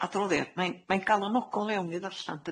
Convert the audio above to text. adroddiad mai'n- mai'n galonogol iawn i ddarllan dydi?